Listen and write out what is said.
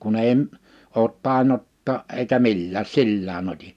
kun ei - ole tainnuttaa - eikä millään sillään otin